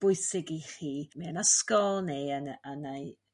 bwysig i chi mewn ysgol neu yn